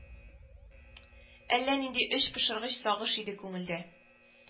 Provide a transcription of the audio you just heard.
Әллә нинди эчпошыргыч сагыш иде күңел күңелдә